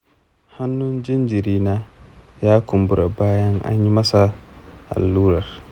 hannun jaririna ya kumbura bayan anyi masa allura.